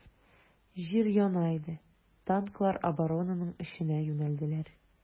Җир яна иде, танклар оборонаның эченә юнәлделәр.